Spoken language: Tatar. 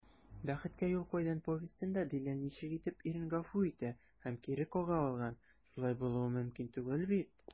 «бәхеткә юл кайдан» повестенда дилә ничек итеп ирен гафу итә һәм кире кага алган, шулай булуы мөмкин түгел бит?»